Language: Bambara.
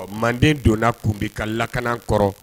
Manden donna tun bɛ ka lakana kɔrɔ